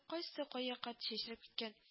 Кайсысы кай якка тчәчрәп киткән